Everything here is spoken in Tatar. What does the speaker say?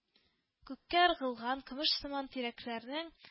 Күккә ыргылган көмешсыман тирәкләрнең